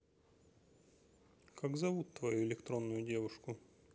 как зовут твою электронную девушку